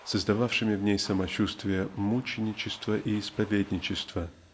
создававшими в ней самочувствие мученичества и исповедничества